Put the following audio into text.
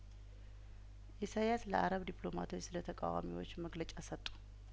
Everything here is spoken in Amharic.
ኢሳያስ ለአረብ ዲፕሎማቶች ስለተቃዋሚዎች መግለጫ ሰጡ